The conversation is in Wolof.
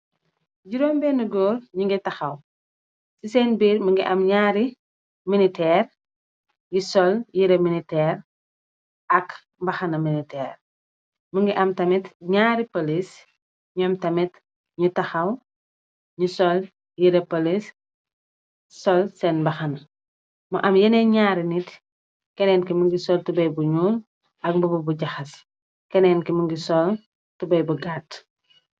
Jiróom benni góor ñu ngi taxaw ,ci seen biir mi ngi am ñaari militeer yi sol yire militeer ak mbaxana militeer, mi ngi am tamit ñaari polis ñoom tamit ñu taxaw ñi sol yire polis sol seen mbaxana, mo am yenee ñaari nit keneen ki mi ngi sol tubay bu ñuul ak mboba bu jaxas keneen ki më ngi sol tubay bu gàtt.